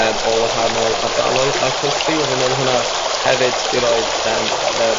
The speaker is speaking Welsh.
yym o wahanol ardaloedd ar cwrs fi a fi me'l bo' hwnna hefyd 'di roid y